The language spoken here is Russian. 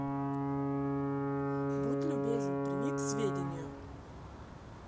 будь любезен прими к сведению